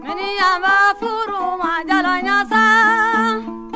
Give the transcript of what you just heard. miniyanba furu ma jalonya sa